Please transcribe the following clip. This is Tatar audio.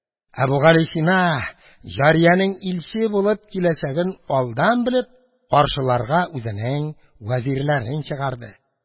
Әбүгалисина, җариянең илче булып киләчәген алдан белеп, каршыларга үзенең вәзирләрен чыгарды